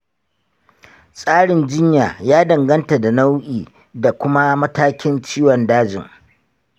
tsarin jinya ya danganta da nau'i da kuma matakin ciwon dajin.